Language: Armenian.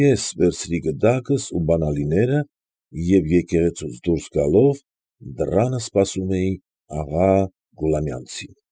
Ես վերցրի գդակս ու բանալիները և եկեղեցուց դուրս գալով դռանը սպասում էի աղա Գուլամյանցին։